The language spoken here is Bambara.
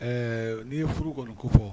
Ɛɛ n'i ye furu kɔnɔ ko fɔ